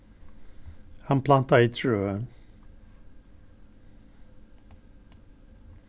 hann plantaði trø